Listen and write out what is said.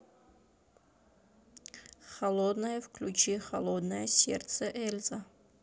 холодное включи холодное сердце эльза